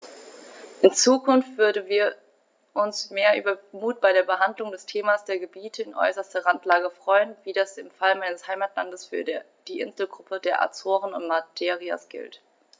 In Zukunft würden wir uns über mehr Mut bei der Behandlung des Themas der Gebiete in äußerster Randlage freuen, wie das im Fall meines Heimatlandes für die Inselgruppen der Azoren und Madeiras gilt.